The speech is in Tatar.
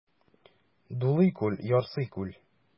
Дулый күл, ярсый күл.